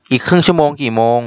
อีกครึ่งชั่วโมงกี่โมง